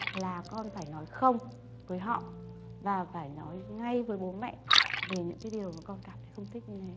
là con phải nói không với họ và phải nói ngay với bố mẹ về những cái điều mà con cảm thấy không thích như thế